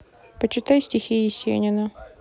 почитай стихи есенина